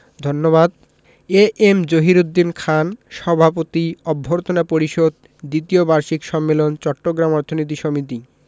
ধন্যবাদ A M Zahiruddin Khan সভাপতি অভ্যর্থনা পরিষদ দ্বিতীয় বার্ষিক সম্মেলন চট্টগ্রাম অর্থনীতি সমিতি